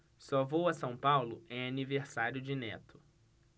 só vou a são paulo em aniversário de neto